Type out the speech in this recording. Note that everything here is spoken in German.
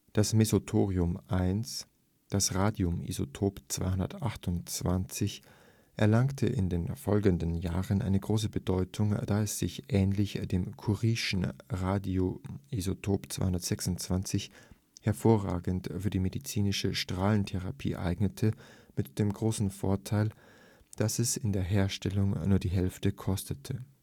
Das Mesothorium I (das Radiumisotop 228Ra) erlangte in den folgenden Jahren eine große Bedeutung, da es sich – ähnlich dem Curieschen Radiumisotop 226Ra – hervorragend für die medizinische Strahlentherapie eignete, mit dem großen Vorteil, dass es in der Herstellung nur die Hälfte kostete